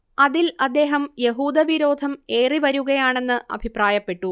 അതിൽ അദ്ദേഹം യഹൂദവിരോധം ഏറിവരുകയാണെന്ന് അഭിപ്രായപ്പെട്ടു